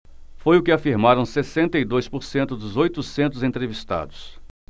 foi o que afirmaram sessenta e dois por cento dos oitocentos entrevistados